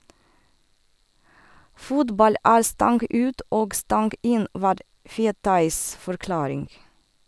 Fotball er stang ut og stang inn, var Fetais forklaring.